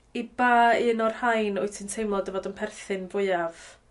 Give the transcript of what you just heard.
I ba un o'r rhain wyt ti'n teimlo dy fod yn perthyn fwyaf?